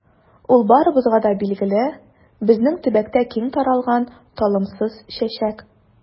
Ул барыбызга да билгеле, безнең төбәктә киң таралган талымсыз чәчәк.